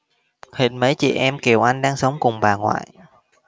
hiện mấy chị em kiều anh đang sống cùng bà ngoại